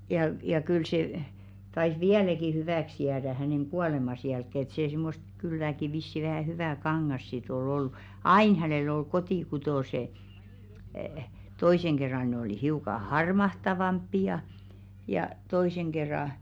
ja - ja kyllä se taisi vieläkin hyväksi jäädä hänen kuolemansa jälkeen että se semmoista kylläkin vissiin vähän hyvää kangasta sitten oli ollut aina hänellä oli kotikutoiset toisen kerran ne oli hiukan harmahtavampia ja toisen kerran